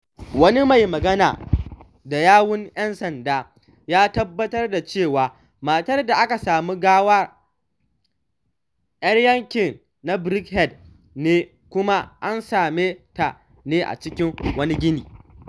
Wani mai magana da yawun ‘yan sanda ya tabbatar da cewa matar da aka sami gawar tata ‘yar yankin na Birkenhead ne kuma an same ta ne a cikin wani gini.